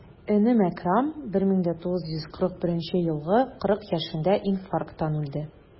Энем Әкрам, 1941 елгы, 40 яшендә инфаркттан үлде.